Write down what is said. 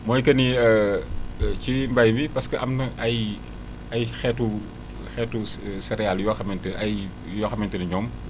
mooy que ni ci mbay mi parce que am na ay ay xeetu xeetu cé céréales yoo xamante ne ay yoo xamante ni ñoom